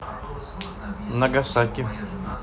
нагасаки